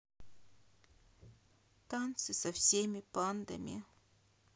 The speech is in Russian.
танцы со всеми пандами